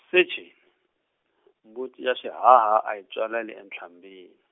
Secheni mbuti ya xihaha a yi tswaleli entlhambini.